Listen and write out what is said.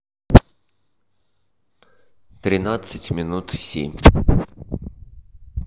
тринадцать минут семь